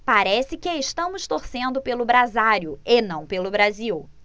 parece que estamos torcendo pelo brasário e não pelo brasil